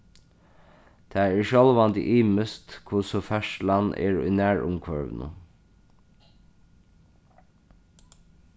tað er sjálvandi ymiskt hvussu ferðslan er í nærumhvørvinum